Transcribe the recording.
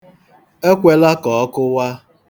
Ekwela ka ọ kụwaa.